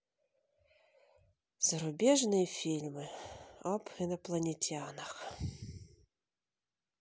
зарубежные фильмы об инопланетянах